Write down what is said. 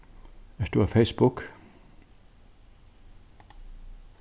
ert tú á facebook